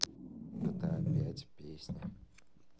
гта пять песня